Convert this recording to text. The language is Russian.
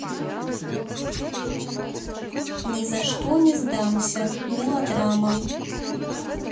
ни за что не сдамся мелодрама